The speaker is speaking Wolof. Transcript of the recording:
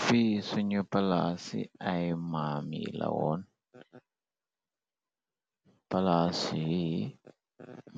Fii suñu palaa ci ay maami lawoon, palaas yi